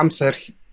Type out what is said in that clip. amser hi-...